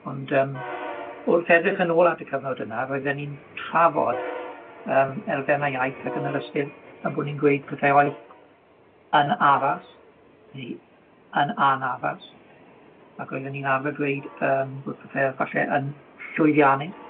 ond yym wrth edrych yn ôl at y cyfnod yna roedden ni'n trafod yym elfenne iaith ac yn yr ystyr 'yn bo' ni'n gweud pethe roedd yn addas neu yn anaddas, ac roedden ni'n arfer dweud yym bod pethe falle yn llwyddiannus.